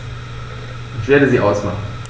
Ich werde sie ausmachen.